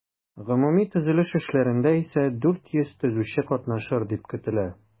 Гомуми төзелеш эшләрендә исә 400 төзүче катнашыр дип көтелә.